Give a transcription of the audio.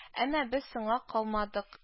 Әмма без соңга калмадык